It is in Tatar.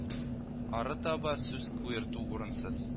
Арытаба сүз куерту урынсыз